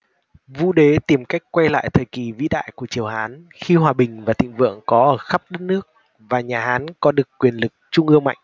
vũ đế tìm cách quay lại thời kỳ vĩ đại của triều hán khi hòa bình và thịnh vượng có ở khắp đất nước và nhà hán có được quyền lực trung ương mạnh